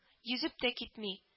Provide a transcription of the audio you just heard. Йөзеп тә китми